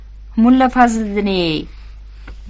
mulla fazliddin ey